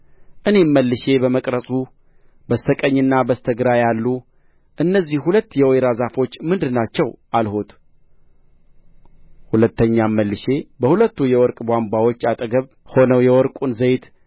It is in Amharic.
እኔም መልሼ በመቅረዙ በስተ ቀኝና በስተ ግራ ያሉ እነዚህ ሁለት የወይራ ዛፎች ምንድር ናቸው አልሁት ሁለተኛም መልሼ በሁለቱ የወርቅ ቧንቧዎች አጠገብ ሆነው የወርቁን ዘይት